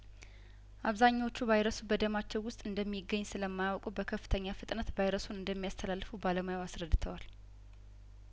አብዛኛዎቹ ቫይረሱ በደማቸው ውስጥ እንደሚገኝ ስለማያውቁ በከፍተኛ ፍጥነት ቫይረሱን እንደሚያስተላልፉ ባለሙያው አስረድተዋል